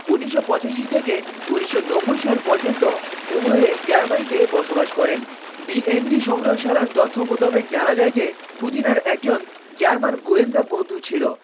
১৯৮৫ থেকে ১৯৯০ সাল পর্যন্ত উভয় জার্মানিতে বসবাস করেন বিএনপির সংগ্রহশালার তথ্য মোতাবেক জানা যায় যে পুতিন আর একজন জার্মান গোয়েন্দা বন্ধু ছিল